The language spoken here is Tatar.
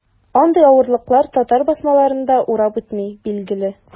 Андый авырлыклар татар басмаларын да урап үтми, билгеле.